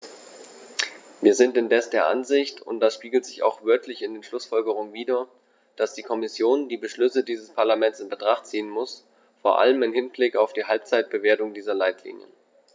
Wir sind indes der Ansicht und das spiegelt sich auch wörtlich in den Schlussfolgerungen wider, dass die Kommission die Beschlüsse dieses Parlaments in Betracht ziehen muss, vor allem im Hinblick auf die Halbzeitbewertung dieser Leitlinien.